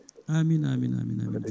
amine amine amine amine